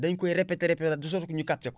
dañu koy répété répété waat de sorte que ñu capté ko